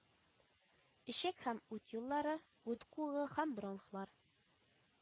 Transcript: Эчәк һәм үт юллары, үт куыгы һәм бронхлар